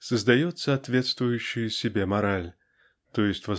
создает соответствующую себе мораль т. е.